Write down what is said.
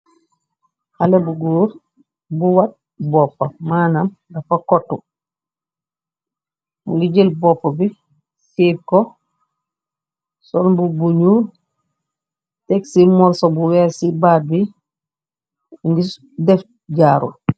khaleh bu goor bu wat bopam manam dafa cótu mungi jel bopu bi shape ko sol mbubu bu nyoul teksi morso bu weer ci bat mungi def jaru